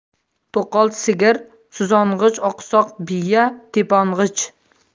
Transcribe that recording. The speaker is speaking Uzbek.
to'qol sigir suzong'ich oqsoq biya tepong'ich